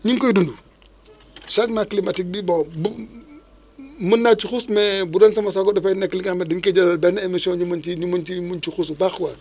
ñu ngi koy dund changement climatique bi bon bu mën naa ci xuus mais bu doon sama sago dafay nekk li nga xam ni dañ koy jëlal benn émission énu mën ci ñu mën ci mën ci xuus bu baax quoi